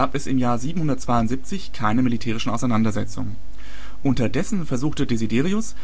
es im Jahr 772 keine militärischen Auseinandersetzungen. Unterdessen versuchte Desiderius